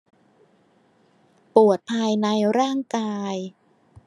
ปวดภายในร่างกาย